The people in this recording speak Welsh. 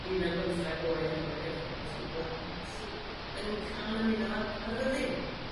un â'r bymtheg oed yn ôl y gyfraith yn blant yn ca'l ymuno a'r a'r fyddin